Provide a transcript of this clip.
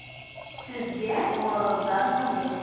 Сезгә улыгыздан бүләк.